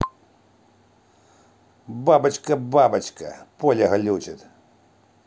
бабочка бабочка поле глючит